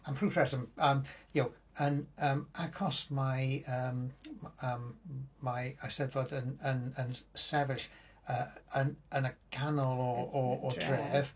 Am rhyw rheswm yym y'know... yn yym... achos mae yym yym mae Eisteddfod yn yn yn sefyll yy yn yn y canol o o dref.